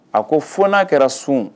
A ko fo n'a kɛra sun